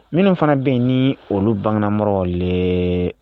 Minnu fana bɛ ni olu baganɔrɔ le